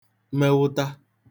mewụta